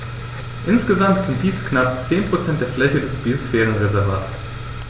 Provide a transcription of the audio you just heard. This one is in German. Insgesamt sind dies knapp 10 % der Fläche des Biosphärenreservates.